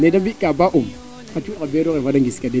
nee de mbika baa umb xa cuund xa beeru xe fada ngis ka den